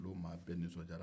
bulon maa bɛɛ nisɔndiyara